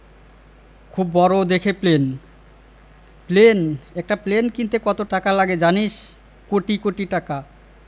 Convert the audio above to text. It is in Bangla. খুব বড় দেখে প্লেন প্লেন একটা প্লেন কিনতে কত টাকা লাগে জানিস কোটি কোটি টাকা